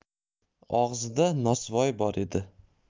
og'zida nosvoy bor edi